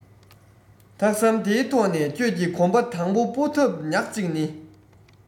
ཐག ཟམ དེའི ཐོག ནས ཁྱོད ཀྱི གོམ པ དང པོ སྤོ ཐབས ཉག གཅིག ནི